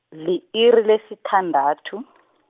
li-iri lesithandathu.